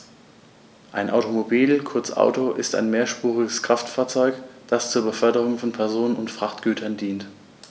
Ein Automobil, kurz Auto, ist ein mehrspuriges Kraftfahrzeug, das zur Beförderung von Personen und Frachtgütern dient.